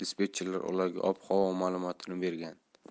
dispetcher ularga ob havo ma'lumotini bergan